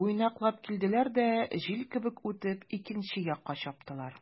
Уйнаклап килделәр дә, җил кебек үтеп, икенче якка чаптылар.